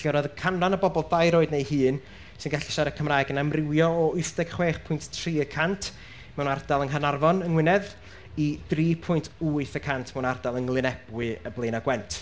Felly roedd y canran o bobl dair oed neu hun sy'n gallu siarad Cymraeg yn amrywio o wyth deg chwech pwynt tri y cant mewn ardal yng Nghanarfon yng Ngwynedd i dri pwynt wyth y cant mewn ardal yng Nglynebwy yn Blaenau Gwent.